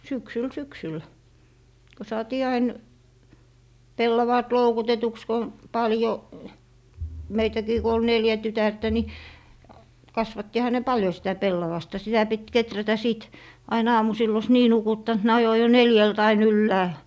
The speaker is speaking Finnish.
syksyllä syksyllä kun saatiin aina pellavaat loukutetuksi kun paljon meitäkin kun oli neljä tytärtä niin kasvattihan ne paljon sitä pellavasta sitä piti kehrätä sitten aina aamusilla olisi niin nukuttanut ne ajoi jo neljältä aina ylhäälle